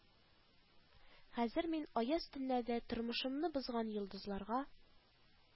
Хәзер мин аяз төннәрдә тормышымны бозган йолдызларга